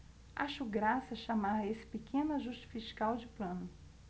acho graça chamar esse pequeno ajuste fiscal de plano